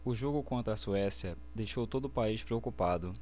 o jogo contra a suécia deixou todo o país preocupado